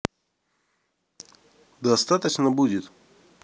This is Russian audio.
досточно будет